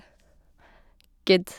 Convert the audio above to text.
Good.